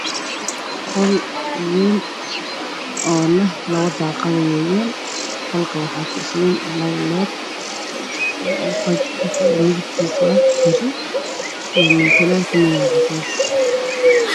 Halkaan waxaa ka muuqdo qolka midabkiisu yahay cadaan waxa uu leeyahy labo daaqadood waxaana ka iftiimaayo labo leer oo guduud ah